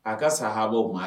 A ka saaabaw mara